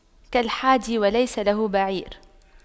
كالحادي وليس له بعير